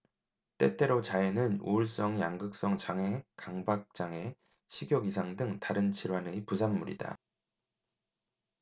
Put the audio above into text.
때때로 자해는 우울증 양극성 장애 강박 장애 식욕 이상 등 다른 질환의 부산물이다